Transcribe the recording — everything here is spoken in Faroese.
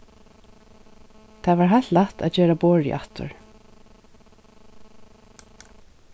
tað var heilt lætt at gera borðið aftur